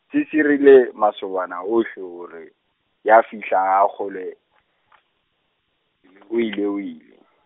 se sirile masobana ohle hore, ya fihlang a kgolwe, o ile o ile.